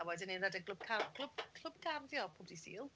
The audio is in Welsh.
A wedyn ni'n rhedeg glwb ca- clwb clwb garddio pob dydd Sul.